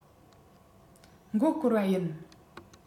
མགོ སྐོར བ ཡིན